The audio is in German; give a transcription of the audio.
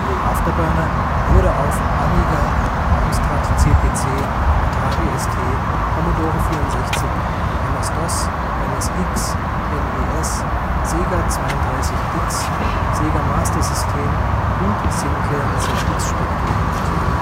After Burner wurde auf Amiga, Amstrad CPC, Atari ST, Commodore 64, MS-DOS, MSX, NES, Sega 32X, Sega Master System und Sinclair ZX Spectrum portiert